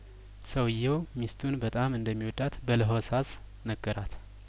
ሰውዬው ሚስቱን በጣም እንደሚወዳት በለሆሳ ስነገራት